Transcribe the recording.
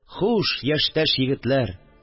Хуш, яшьтәш егетләр!